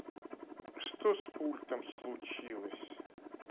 что с пультом случилось